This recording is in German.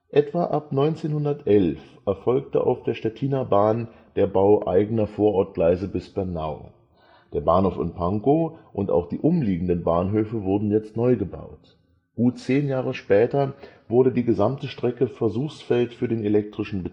Etwa ab 1911 erfolgte auf der Stettiner Bahn der Bau eigener Vorortgleise bis Bernau. Der Bahnhof in Pankow, auch die umliegenden Bahnhöfe wurden jetzt neugebaut. Gut zehn Jahre später wurde die gesamte Strecke Versuchsfeld für den elektrischen